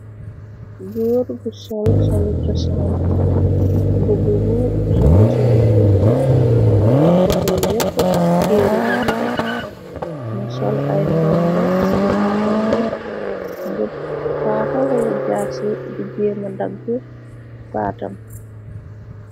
Góor bu sol , solu cosan, mbubo bu su ngu subik na tapp ko yépp ak téerebam dacc, mu sol ay ndombo ci baatam bi ngë paakawala jaas di jéema dagg baatam.